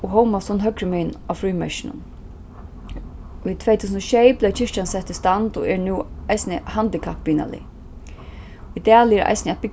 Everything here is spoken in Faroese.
og hómast hon høgrumegin á frímerkinum í tvey túsund og sjey bleiv kirkjan sett í stand og er nú eisini handikappvinarlig í dali er eisini eitt